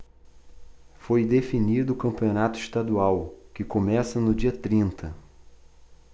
foi definido o campeonato estadual que começa no dia trinta